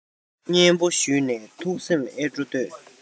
སྙན པོ ཞུས ནས ཐུགས སེམས ཨེ སྤྲོ ལྟོས